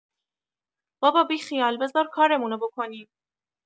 بابا بیخیال بذار کارمونو بکنیم.